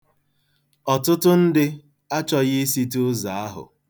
Ọtụtụ ndị achọghị isite ụzọ ahụ.